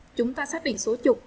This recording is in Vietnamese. chúng ta xác định số trực